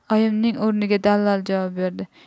oyimning o'rniga dallol javob berdi